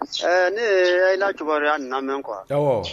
Ɛɛ ne yɛlɛla kibaruyaya na mɛn kuwa